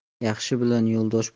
yaxshi bilan yo'ldosh